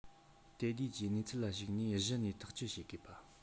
དེ དུས ཀྱི གནས ཚུལ ལ གཞིགས ནས གཞི ནས ཐག གཅོད བྱེད དགོས པ